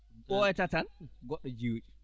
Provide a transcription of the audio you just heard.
ɓooyataa tan goɗɗo jeyoya